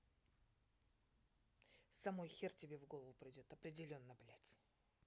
самой хер тебе в голову придет определенно блядь